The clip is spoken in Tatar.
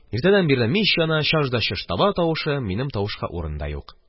Иртәдән бирле мич яна, чаж да чож таба тавышы, минем тавышка урын да юк.